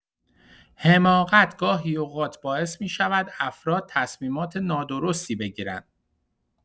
حماقت گاهی اوقات باعث می‌شود افراد تصمیمات نادرستی بگیرند.